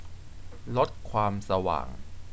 ลดความสว่าง